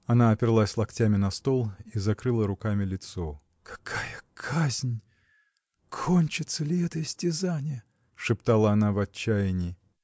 Она оперлась локтями на стол и закрыла руками лицо. — Какая казнь! Кончится ли это истязание? — шептала она в отчаянии.